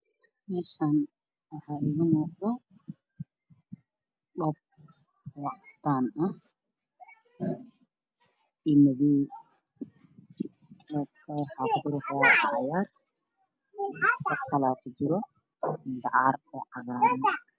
Meeshaan ha iga muuqda miis ay saaran yihiin dhagax baarka roob caddaan ah ayaa ka baxaayo darbigana waa cadaan